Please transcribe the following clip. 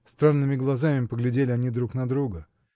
Странными глазами поглядели они друг на друга.